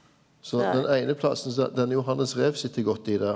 så den eine plassen så denne Johannes Rev sit godt i det.